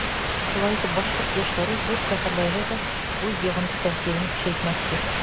Шулай итеп башкорт яшьләре зур шәһәрләрдә дә үз йогынты-тәэсирен көчәйтмәкче.